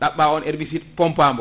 ɗabɓa on herbicide pompa mo